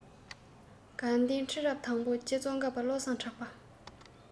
དགའ ལྡན ཁྲི རབས དང པོ རྗེ ཙོང ཁ པ བློ བཟང གྲགས པ